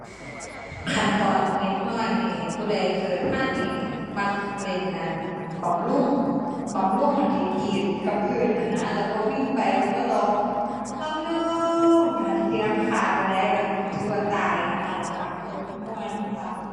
มีอยู่ ทั้งถนน ทั้งสวัสดิการจากรัฐ ทั้งค่ารักษาพยาบาล ทั้งโรงพยาบาลของรัฐ ก็เกิดจากภาษีก็ทั้งเบิดนั่นล่ะ